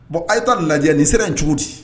Bon a' ye taa lajɛ nin sera in cogo di